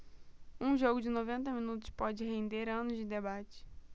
um jogo de noventa minutos pode render anos de debate